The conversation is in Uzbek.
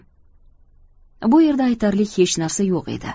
bu yerda aytarli hech narsa yo'q edi